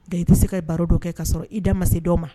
Nka i tɛ se ka i baro don kɛ k'a sɔrɔ i da ma se dɔw ma